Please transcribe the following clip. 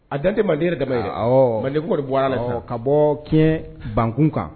A dante mandendi daba ye mandeko de bɔra a la ka bɔ kin bankun kan